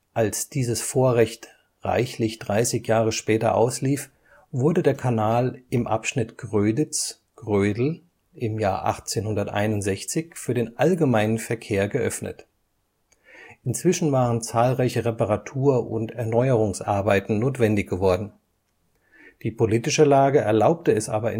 Als dieses Vorrecht reichlich dreißig Jahre später auslief, wurde der Kanal im Abschnitt Gröditz – Grödel 1861 für den allgemeinen Verkehr geöffnet. Inzwischen waren zahlreiche Reparatur - und Erneuerungsarbeiten notwendig geworden. Die politische Lage erlaubte es aber